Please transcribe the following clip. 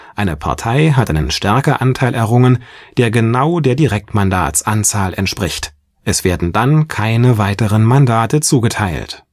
Eine Partei hat einen Stärkeanteil errungen, der genau der Direktmandatsanzahl entspricht. Es werden dann keine weiteren Mandate zugeteilt